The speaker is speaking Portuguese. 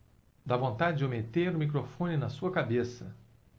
dá vontade de eu meter o microfone na sua cabeça